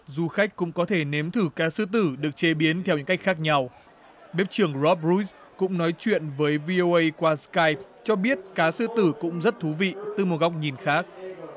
du khách cũng có thể nếm thử cá sư tử được chế biến theo những cách khác nhau bếp trưởng róp rút cũng nói chuyện với vi ô ây qua sờ kai cho biết cá sư tử cũng rất thú vị từ một góc nhìn khác